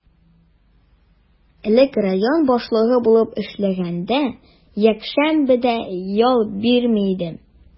Элек район башлыгы булып эшләгәндә, якшәмбе дә ял бирми идем.